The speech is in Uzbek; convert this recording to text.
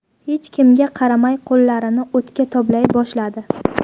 hech kimga qaramay qo'llarini o'tga toblay boshladi